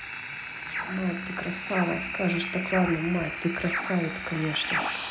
мать ты красава скажешь так ладно мать ты красавец конечно